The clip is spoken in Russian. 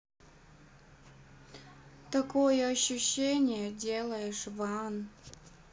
такое ощущение делаешь ван